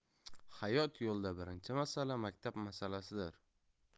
hayot yo'lida birinchi masala maktab masalasidir